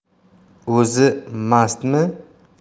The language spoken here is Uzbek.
o'zi mastmi